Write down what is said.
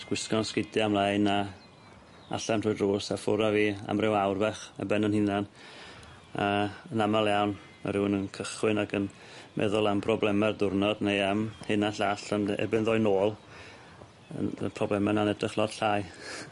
Gwisgo'n sgidia mlaen a allan trwy'r drws a ffwr' â fi am ryw awr fach ar ben yn 'unan a yn amal iawn ma' rywun yn cychwyn ac yn meddwl am probleme'r diwrnod neu am hyn a llall ond erbyn ddoi nôl yym y probleme 'na'n edrych lot llai.